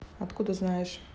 откуда знаешь